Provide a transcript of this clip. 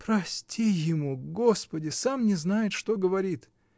— Прости ему, Господи: сам не знает, что говорит!